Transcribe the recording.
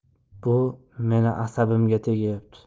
bu mening asabimga tegayapti